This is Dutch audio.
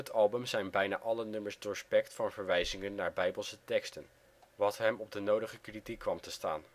album zijn bijna alle nummers doorspekt van verwijzingen naar bijbelse teksten, wat hem op de nodige kritiek kwam te staan